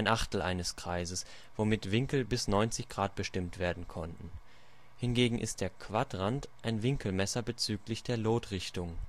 Achtel eines Kreises), womit Winkel bis 90° bestimmt werden konnten. Hingegen ist der Quadrant ein Winkelmesser bezüglich der Lotrichtung